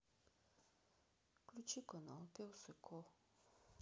включить канал пес и ко